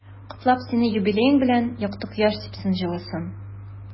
Котлап сине юбилеең белән, якты кояш сипсен җылысын.